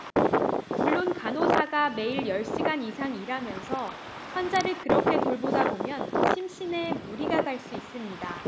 물론 간호사가 매일 열 시간 이상 일하면서 환자를 그렇게 돌보다 보면 심신에 무리가 갈 수 있습니다